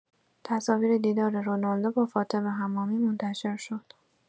تصاویر دیدار رونالدو با فاطمه حمامی منتشر شد.